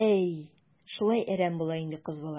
Әй, шулай әрәм була инде кыз бала.